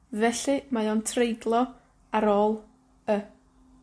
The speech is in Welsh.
Felly, mae o'n treiglo ar ôl y.